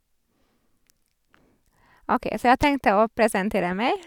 OK, så jeg tenkte å presentere meg.